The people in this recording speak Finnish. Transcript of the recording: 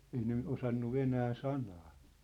ei ne osannut venäjän sanaa